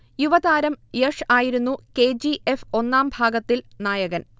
യുവതാരം യഷ് ആയിരുന്നു K. G. F. ഒന്നാം ഭാഗത്തിൽ നായകൻ